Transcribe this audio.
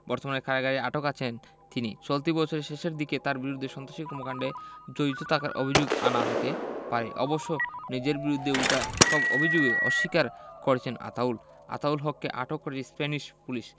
বর্তমানে কারাগারে আটক আছেন তিনি চলতি বছরের শেষের দিকে তাঁর বিরুদ্ধে সন্ত্রাসী কর্মকাণ্ডে জড়িত থাকার অভিযোগ আনা হতে পারে অবশ্য নিজের বিরুদ্ধে ওঠা সব অভিযোগই অস্বীকার করেছেন আতাউল আতাউল হককে আটক করেছে স্প্যানিশ পুলিশ